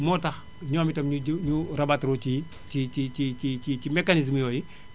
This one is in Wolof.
moo tax ñoom itam ñu ñu rabttre ci ci ci ci ci ci mécanisme yooyu